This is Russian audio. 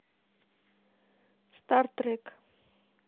стар трек